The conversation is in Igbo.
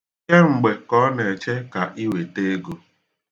Kemgbe ka ọ na-eche ka I weta ego.